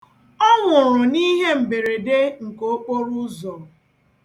Ọ nwụrụ na ihe mberede nke okporoụzọ.